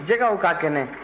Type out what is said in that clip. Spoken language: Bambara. jɛgɛw ka kɛnɛ